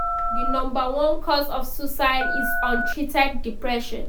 The number one cause of suicide is untreated depression.